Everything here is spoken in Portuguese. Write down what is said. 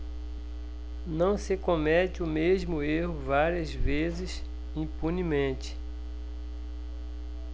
não se comete o mesmo erro várias vezes impunemente